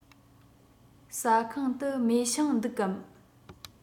ཟ ཁང དུ མེ ཤིང འདུག གམ